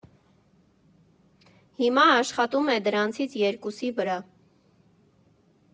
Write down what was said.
Հիմա աշխատում է դրանցից երկուսի վրա։